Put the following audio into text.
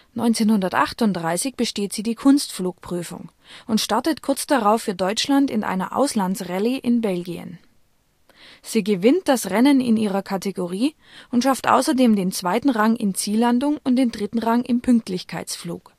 1938 besteht sie die Kunstflugprüfung und startet kurz darauf für Deutschland in einer " Auslandsrallye " in Belgien. Sie gewinnt das Rennen in ihrer Kategorie, und schafft außerdem den zweiten Rang in " Ziellandung " und den dritten Rang im " Pünktlichkeitsflug